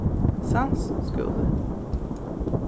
sands skúli